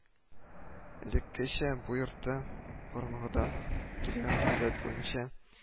Элеккечә – бу йортта борынгыдан килгән гадәт буенча